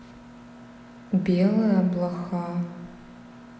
белая блоха